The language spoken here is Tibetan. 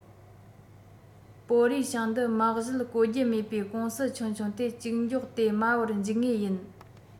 པོ རུའེ ཞང འདི མ གཞི གོ རྒྱུ མེད པའི ཀུང སི ཆུང ཆུང དེ གཅིག སྒྱོགས དེ དམར བ འཇུག ངེས ཡིན